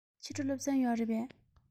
ཕྱི དྲོ སློབ ཚན ཡོད རེད པས